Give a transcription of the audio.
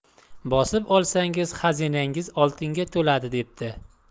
bosib olsangiz xazinangiz oltinga to'ladi debdi